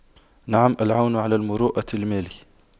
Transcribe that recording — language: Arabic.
نعم العون على المروءة المال